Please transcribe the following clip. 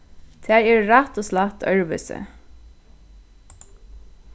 tær eru rætt og slætt øðrvísi